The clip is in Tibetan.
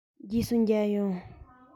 རྗེས སུ མཇལ ཡོང